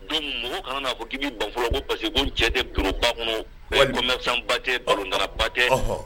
Donc mɔgɔ kana'a fɔ k'i banf ko parce que ko cɛ tɛ gba kɔnɔ mɛnsan ba tɛ balo nana ba kɛ